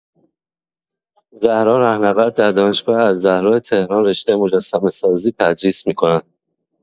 زهرا رهنورد در دانشگاه الزهرا تهران رشته مجسمه‌سازی تدریس می‌کند.